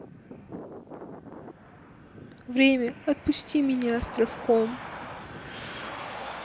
время отпусти меня островком